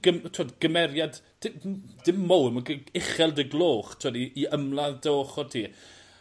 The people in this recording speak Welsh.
gym- t'wod gymeriad di- yym dim mowr ma' gy- uchel dy gloch t'wod i i ymladd dy ochor di.